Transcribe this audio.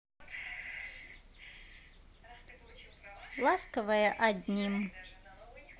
ласковое одним